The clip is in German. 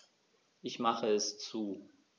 Ich mache es zu.